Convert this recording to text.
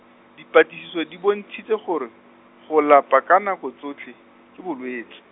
dipatlisiso di bontshitse gore, go lapa ka nako tsotlhe, ke bolwets-.